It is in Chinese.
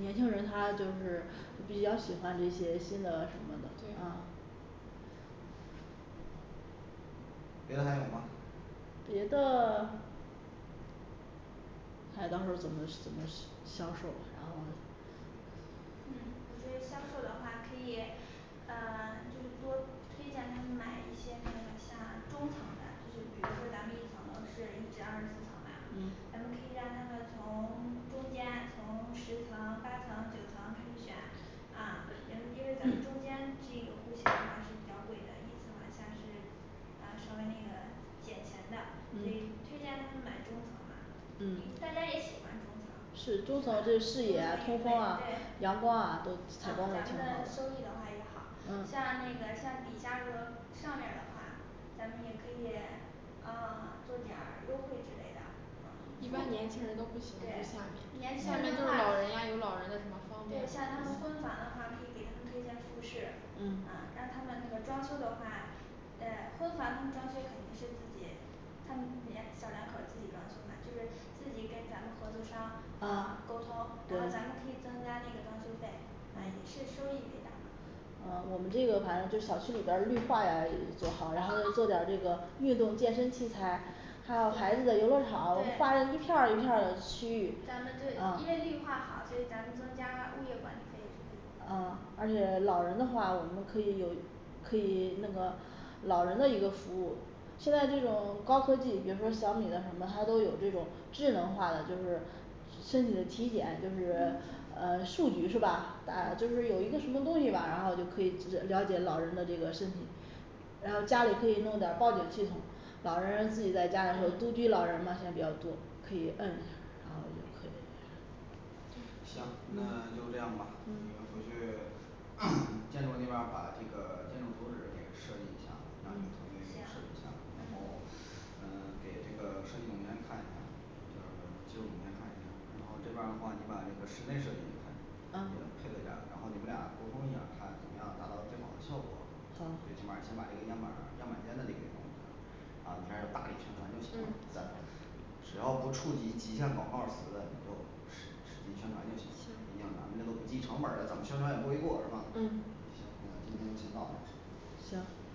年轻人他就是比较喜欢这些新的什么的嗯对别的还有吗别的看到时候儿怎么是 怎么是 销售然后嗯我觉得销售的话可以呃就是多推荐他们买一些那个像中层的，就是比如说咱们一层楼是一至二十四层吧，咱嗯们可以让他们从中间从十层八层九层开始选啊也是因为咱们中间这个户型的话是比较贵的，一层往下是啊稍微那个典型的可以推嗯荐他们买中层嘛也嗯大家也喜欢中层是中层啊中层也对对啊咱们的休就视野啊通风啊阳光啊都采光都挺息的话也好好嗯像那个像底下和上面儿的话咱们也可以嗯做点儿优惠之类的一般年轻人都对住不喜欢对住年轻下人面，就是的话老人呀有老人的什么方对便像他们婚房的话可以给他们推荐复式，啊嗯让他们那个装修的话对婚房他们装修肯定是自己他们自己小两口儿自己装修嘛，就是自己跟咱们合作商嗯啊沟通，然后咱们可以对增加那个装修费。啊也是收益为大呃我们这个反正就小区里边儿绿化呀也做好，然后做点儿这个运动健身器材还有孩子的游乐场，对画一片儿一片儿的区域对咱们对因为嗯绿化好所以咱们增加物业管理嗯而费且也可老以人的话我们可以有，可以弄个老人的一个服务现在这种高科技比如说小米的什么它都有这种智能化的就是身体的体检就是呃数据是吧？大有一个什么东西吧，然后就可以了解老人的这个身体然后家里可以弄点儿报警系统，老人自己在家的时候，独居老人嘛现在比较多，可以摁一下儿然后我们可以行那嗯就这样吧你们嗯回去 建筑那边儿把这个建筑图纸给设计一下，让他们团队嗯嗯给设行计一下儿，然后呃给这个设计总监看一下儿叫 技术总监看一下儿，然后这边儿的话你把那个室内设计也看一下儿，也配合嗯一下儿，然后你们俩沟通一下儿，看怎么样达到最好的效果，最起好码儿先把这个样板儿样板间的给弄一下然后你开始大力宣传就行了，咱嗯只要不触及极限广告儿词的，你就使使劲宣传就行，毕竟行咱们这都不计成本儿的，怎么宣传也不会过是吧？行嗯那今天就先到这儿。行